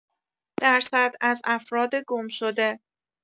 درصد از افراد گم‌شده